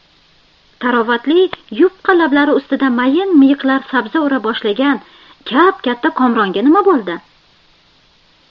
tarovatli yupqa lablari ustida mayin miyiqlar sabza ura boshlagan kap katta komronga nima bo'ldi